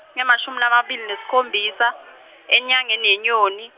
tingemashumi lamabili nesikhombisa enyangeni yeNyoni.